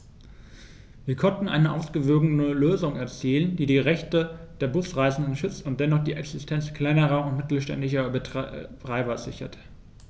Wir konnten eine ausgewogene Lösung erzielen, die die Rechte der Busreisenden schützt und dennoch die Existenz kleiner und mittelständischer Betreiber sichert.